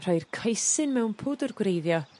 rhoi'r coesyn mewn pwdwr gwreiddio